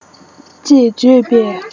ཅེས བརྗོད པས